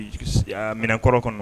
Minɛnkɔrɔ kɔnɔ